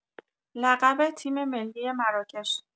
لقب تیم‌ملی مراکش